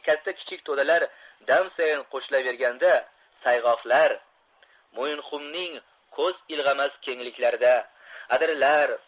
katta kichik to'dalar dam sayin qo'shilaverganda sayg'oqlar mo'yinqumning ko'z ilg'amas kengliklarida adirlar